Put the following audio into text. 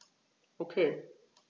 Okay.